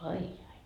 ai ai ai